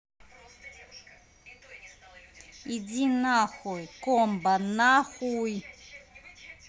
иди нахуй комбо нахуй